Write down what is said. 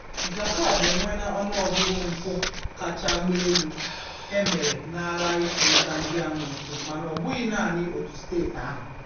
Jharkhand enweela ọnụọgụgụ mpụ kacha gba elu e mere n'aha ịchụnta ndị amoosu mana ọbụghị naanị otu steeti ahụ.